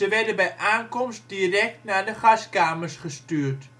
werden bij aankomst direct naar de gaskamers gestuurd